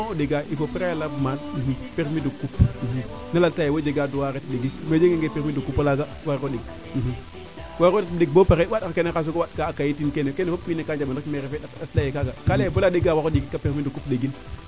avant o ndega il faut preablement permis de coupe na lalta yee wo jega droit ret ndegik mais o jega nge permis de coupe o laaga wariro ɗeg wariro ret ɗeg boo pare waand ka a kayi tiin keene kene fop wiin we ka njamban rek ndaa refe ndat loi leyee kaaga ka leyee bala o ndega o xendik a permis de coupe ɗegin